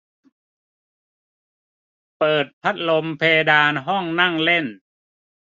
เปิดพัดลมเพดานห้องนั่งเล่น